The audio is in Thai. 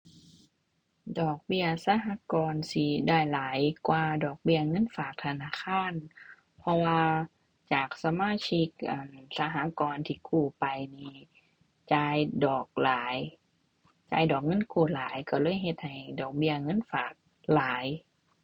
ดอกเบี้ยสหกรณ์สิได้หลายกว่าดอกเบี้ยเงินฝากธนาคาร เพราะว่าจากสมาชิก อ่า สหกรณ์ที่กู้ไปนี่ จ่ายดอกหลาย จ่ายดอกเงินกู้หลาย ก็เลยเฮ็ดให้ดอกเบี้ยเงินฝากหลาย